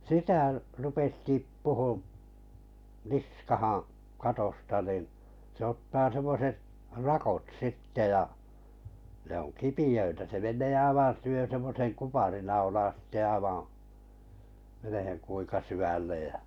sitä rupesi tippumaan niskaan katosta niin se ottaa semmoiset rakot sitten ja ne on kipeitä se menee aivan syö semmoisen kuparinaulan sitten aivan menemään kuinka syvälle ja